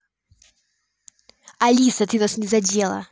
алиса ты нас не задела